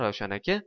ravshan aka